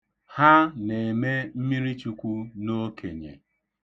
Ha na-eme mmirichukwu n'okenye.